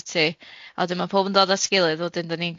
a wedyn ma pawb yn dod at i gilydd wedyn dan ni'n